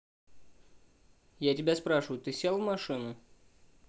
я тебя спрашиваю ты сел в машину